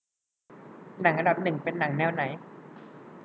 หนังอันดับหนึ่งเป็นหนังแนวไหน